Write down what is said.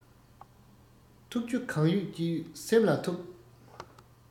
ཐུག རྒྱུ གང ཡོད ཅི ཡོད སེམས ལ ཐུག